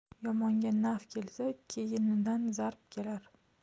yomondan naf kelsa keyinidan zarb kelar